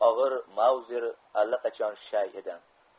og'ir mauzer allaqachon shay edi